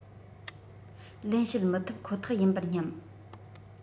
ལེན བྱེད མི ཐུབ ཁོ ཐག ཡིན པར སྙམ